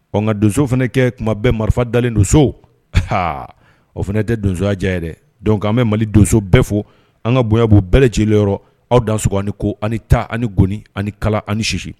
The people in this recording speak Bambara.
Ɔn ka donso fana kɛ kuma bɛ marifa dalen don so , a o fana tɛ donsoya diya yɛrɛ dɔnkuc an bi mali donso bɛɛ fo an ka bonya bu bɛɛ lajɛlen yɔrɔ . Aw dansoko a ni ko a ni ta a ni goni a ni kala a ni si